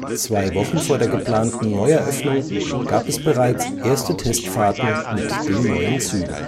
Zwei Wochen vor der geplanten Neueröffnung gab es bereits erste Testfahrten mit den neuen Zügen